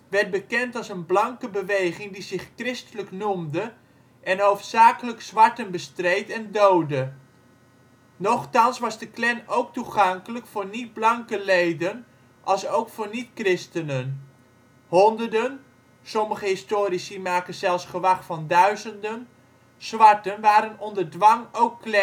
werd bekend als een blanke beweging die zich christelijk noemde en hoofdzakelijk zwarten bestreed en doodde. Nochtans was de Klan ook toegankelijk voor niet-blanke leden alsook voor niet-christenen. Honderden (sommige historici maken zelfs gewag van duizenden) zwarten waren onder dwang ook